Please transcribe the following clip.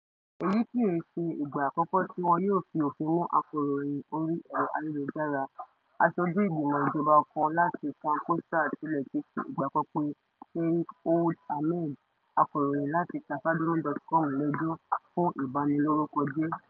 Èyí kìí ṣe ìgbà àkọ́kọ́ tí wọ́n yóò fi òfin mú akọ̀rọ̀yìn orí ẹ̀rọ ayélujára, aṣojú ìgbìmọ̀ ijọba kan láti Kankossa tilẹ̀ ti fi ìgbà kan pe Cheikh Ould Ahmed, akọrọyìn láti Taqadoumy.com lẹ́jọ́ fún ìbanilórúkọjẹ́.